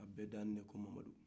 a bɛ dalenbɛ ko mamadu